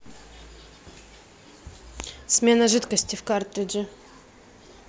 смена жидкости в картридже